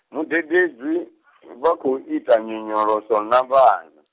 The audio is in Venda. mudededzi , vha khou ita nyonyoloso na vhana.